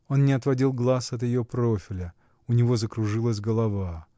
Он не отводил глаз от ее профиля, у него закружилась голова.